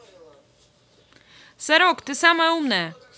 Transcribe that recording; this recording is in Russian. сорока ты самая умная